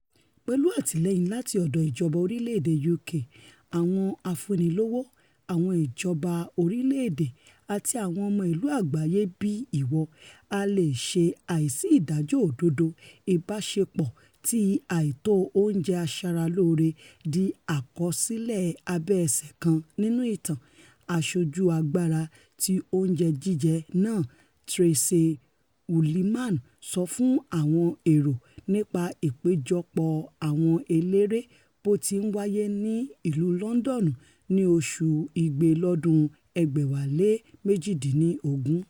Pẹ̀lú àtìlẹ́yìn láti ọ̀dọ̀ ìjọba orílẹ̀-èdè UK, àwọn afúnnilówó. àwọn ìjọba orílẹ̀-èdè, àti Àwọn Ọmọ Ìlú Àgbáyé bíi ìwọ, a leè sọ àìsí ìdájọ́ òdodo ìbaṣepọ̀ ti àìtó oúnjẹ aṣaralóore dí àkọsílẹ abẹ́-ẹṣé kan nínú ìtàn,'' àṣojú Agbára ti Oúnjẹ Jíjẹ Náà Tracey Ullman sọ fún àwọm èrò nigba ìpéjọpọ̀ àwọn eléré bóti ńwáyé ní ìlú Lọndọnu ní oṣu Igbe lọ́dún 2018.